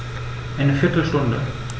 Eine viertel Stunde